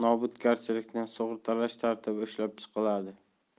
nobudgarchilikni sug'urtalash tartibi ishlab chiqiladi